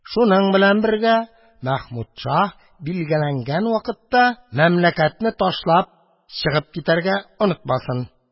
Шуның белән бергә Мәхмүд шаһ билгеләнгән вакытта мәмләкәтне ташлап чыгып китәргә онытмасын.